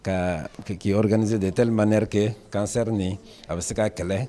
Ka keɛnine deteelili maɛre kɛ kansɛri nin a bɛ se ka'a kɛlɛ